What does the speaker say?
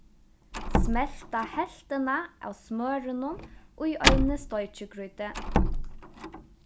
smelta helvtina av smørinum í eini steikigrýtu